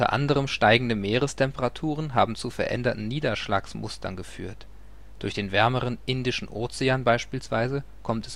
anderem steigende Meerestemperaturen haben zu veränderten Niederschlagsmustern geführt. Durch den wärmeren Indischen Ozean beispielsweise kommt